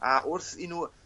A wrth i n'w